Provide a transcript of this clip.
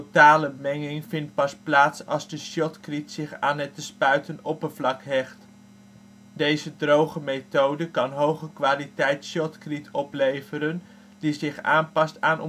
Totale menging vindt pas plaats als het shotcrete zich aan het te spuiten oppervlak hecht. Deze droge methode kan hoge kwaliteit shotcrete opleveren, die zich aanpast aan de omgevingsfactoren